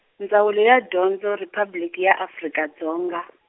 Ndzawulo ya Dyondzo Riphabliki ya Afrika Dzonga .